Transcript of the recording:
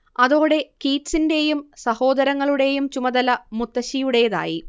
അതോടെ കീറ്റ്സിന്റേയും സഹോദരങ്ങളുടേയും ചുമതല മുത്തശ്ശിയുടേതായി